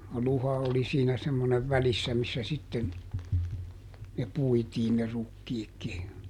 luha oli siinä semmoinen välissä missä sitten ne puitiin ne rukiitkin